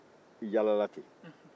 u ye u yalala ten